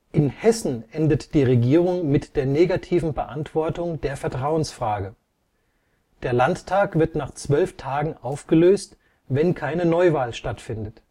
In Hessen endet die Regierung mit der negativen Beantwortung der Vertrauensfrage. Der Landtag wird nach 12 Tagen aufgelöst, wenn keine Neuwahl stattfindet